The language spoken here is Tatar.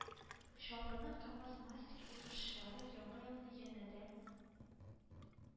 Чаллының “Камаз-Мастер” узышчылары Яңа елны янәдән